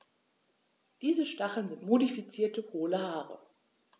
Diese Stacheln sind modifizierte, hohle Haare.